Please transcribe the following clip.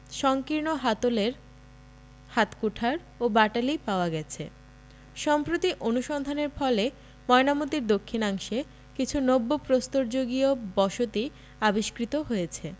সঙ্কীর্ণ হাতলের হাত কুঠার ও বাটালি পাওয়া গেছে সম্প্রতি অনুসন্ধানের ফলে ময়নামতীর দক্ষিণাংশে কিছু নব্য প্রস্তরযুগীয় বসতি আবিষ্কৃত হয়েছে